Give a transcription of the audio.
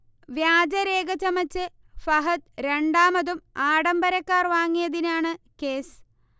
വ്യാജരേഖ ചമച്ച് ഫഹദ് രണ്ടാമതും ആഡംബര കാർ വാങ്ങിയതിനാണ് കേസ്